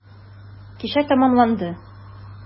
Кичә тәмамланды.